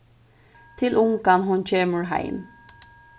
til ungan hon kemur heim